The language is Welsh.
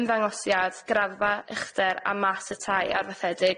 ymddangosiad, graddfa, uchder a mas y tai ar fathedig yn